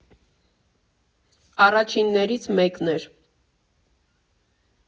«Առաջիններից մեկն էր։